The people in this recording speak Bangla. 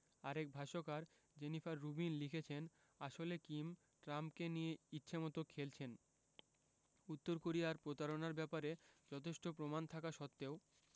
আরেক ভাষ্যকার জেনিফার রুবিন লিখেছেন আসলে কিম ট্রাম্পকে নিয়ে ইচ্ছেমতো খেলছেন উত্তর কোরিয়ার প্রতারণার ব্যাপারে যথেষ্ট প্রমাণ থাকা সত্ত্বেও